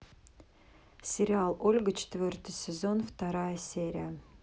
сериал ольга четвертый сезон вторая серия